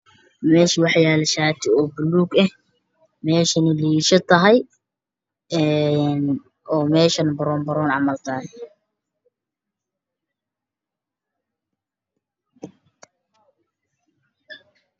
Meesha waxaa yaalo shaati buluug ah meeshana waa liisho